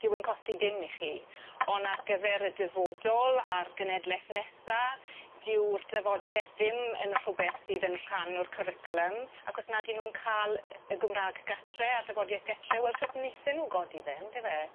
Dyw e'n costi dim i chi on' ar gyfer y dyfodol a'r genedleth nesa dyw'r dyfodieth ddim yn rhwbeth sydd yn rhan o'r cyricilym ac os nad yw nw'n ca'l yy y Gymra'g gatre a'r dyfodieth getre wel shwt nethe nw godi fe on'd yfe?